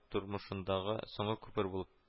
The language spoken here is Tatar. Тормышындагы соңгы күпер булып